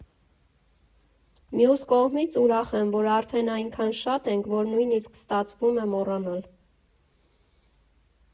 Մյուս կողմից՝ ուրախ եմ, որ արդեն այնքան շատ ենք, որ նույնիսկ ստացվում է մոռանալ։